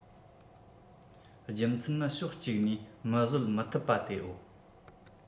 རྒྱུ མཚན ནི ཕྱོགས གཅིག ནས མི བཟོད མི ཐུབ པ དེའོ